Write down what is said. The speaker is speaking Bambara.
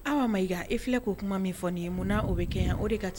I filɛ ko kuma min fɔ nin ye mun o bɛ kɛ o de ka